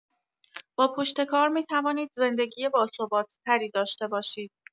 با پشتکار می‌توانید زندگی باثبات‌تری داشته باشید.